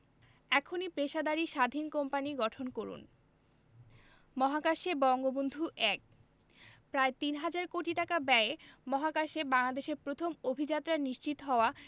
এখনই পেশাদারি স্বাধীন কোম্পানি গঠন করুন মহাকাশে বঙ্গবন্ধু ১ প্রায় তিন হাজার কোটি টাকা ব্যয়ে মহাকাশে বাংলাদেশের প্রথম অভিযাত্রা নিশ্চিত হওয়া